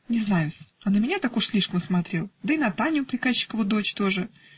-- Не знаю-с, а на меня так уж слишком смотрел, да и на Таню, приказчикову дочь, тоже